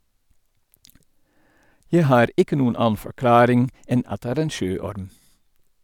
Jeg har ikke noen annen forklaring enn at det er en sjøorm.